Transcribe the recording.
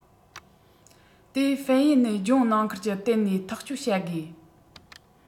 དེ ཧྥན ཡུས ནས ལྗོངས ནང ཁུལ གྱི བརྟེན ནས ཐག གཅོད བྱ དགོས